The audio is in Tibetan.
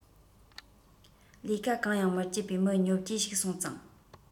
ལས ཀ གང ཡང མི སྒྱིད པའི མི ཉོབ སྒྱེ ཞིག སོང ཙང